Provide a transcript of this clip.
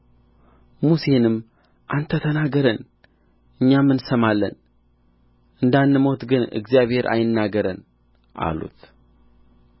ሙሴንም አንተ ተናገረን እኛም እንሰማለን እንዳንሞት ግን እግዚአብሔር አይናገረን አሉት